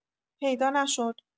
پیدا نشد.